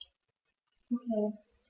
Okay.